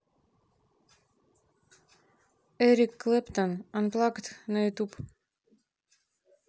эрик клэптон анплагд на ютуб